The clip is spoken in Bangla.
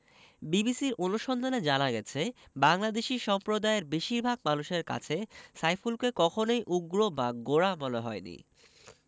বিবিসির অনুসন্ধানে জানা গেছে বাংলাদেশি সম্প্রদায়ের বেশির ভাগ মানুষের কাছে সাইফুলকে কখনোই উগ্র বা গোঁড়া মনে হয়নি